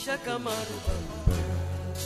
Yakamadu